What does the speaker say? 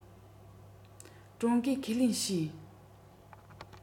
ཀྲུང གོས ཁས ལེན བྱོས